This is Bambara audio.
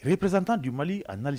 Représentant du Mali en Al